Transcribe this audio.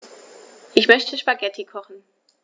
Ich möchte Spaghetti kochen.